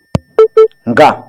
Nka